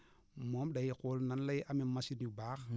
moom day xool nan lay amee machines yu baax